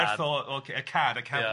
Ie nerth o o c- y cad, y ca-